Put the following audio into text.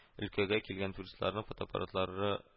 Өлкәгә килгән туристларның фотоаппаратлары